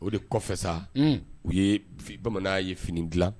O de kɔ kɔfɛ sa u ye bamanan ye fini dilan